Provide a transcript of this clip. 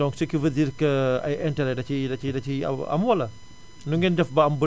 donc ce qui veut dire que ay interet da ciy daciy daciy am am wala nu ngeen def ba am bé